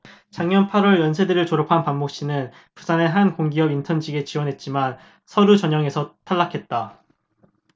작년 팔 월 연세대를 졸업한 박모씨는 부산의 한 공기업 인턴 직에 지원했지만 서류 전형에서 탈락했다